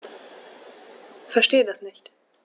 Verstehe das nicht.